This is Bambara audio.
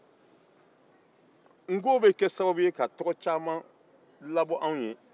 nko bɛ kɛ sababu ye ka tɔgɔ caman labɔ anw ye